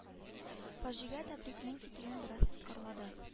Фаҗига тәбрикнең китүен бераз тоткарлады